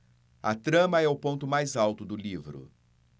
a trama é o ponto mais alto do livro